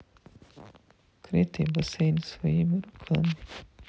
крытый бассейн своими руками